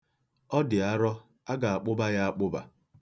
Ọ dị arọ, a ga-akpụba ya akpụba.